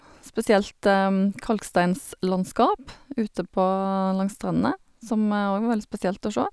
Spesielt kalksteinslandskap ute på langs strendene, som òg var veldig spesielt å sjå.